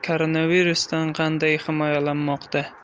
koronavirusdan qanday himoyalanmoqda